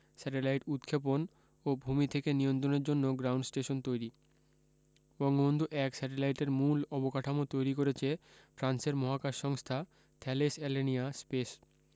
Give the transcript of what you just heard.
satellite উৎক্ষেপণ ও ভূমি থেকে নিয়ন্ত্রণের জন্য গ্রাউন্ড স্টেশন তৈরি বঙ্গবন্ধু ১ স্যাটেলাইটের মূল অবকাঠামো তৈরি করেছে ফ্রান্সের মহাকাশ সংস্থা থ্যালেস অ্যালেনিয়া স্পেস